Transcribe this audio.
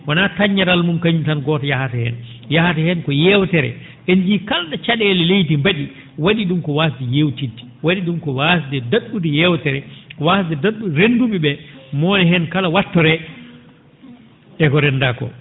wonaa kañeral mum kañum tan gooto yahata heen yahata heen ko yeewtere en njiyii kala ?o ca?eele leydi mba?i wa?i ?um ko waasde yeewtidde wa?i ?um ko waasde dad?ude yeewtere waasde dad?ude renndu?e ?ee mo woni heen kala wattoree e ko renndaa koo